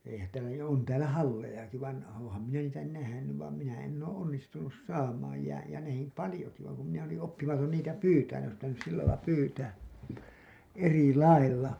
eihän täällä ja on täällä hallejakin vaan olenhan minä niitä nähnyt vaan minä en ole onnistunut saamaan ja ja nähnyt paljonkin vaan kun minä olin oppimaton niitä pyytämään ne olisi pitänyt sillä lailla pyytää eri lailla